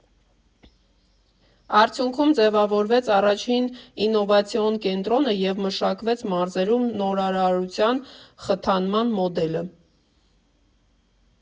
Արդյունքում ձևավորվեց առաջին ինովացիոն կենտրոնը և մշակվեց մարզերում նորարարության խթանման մոդելը։